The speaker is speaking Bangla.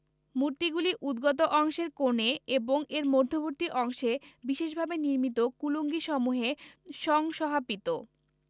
মূর্তিগুলি উদ্গত অংশের কোণে এবং এর মধ্যবর্তী অংশে বিশেষভাবে নির্মিত কুলুঙ্গিসমূহে সংসহাপিত